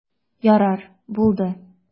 Ярар, булды.